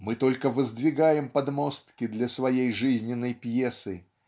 мы только воздвигаем подмостки для своей жизненной пьесы